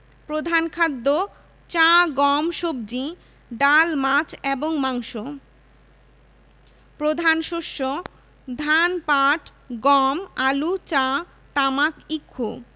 ১২৬ প্রজাতির সরীসৃপ যার মধ্যে ১০৯টি প্রজাতি ভূ ভাগ বা স্বাদুপানির এবং ১৭টি সামুদ্রিক